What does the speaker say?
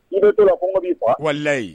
I bɛ to la lkɔnkɔ b'i fa walilahi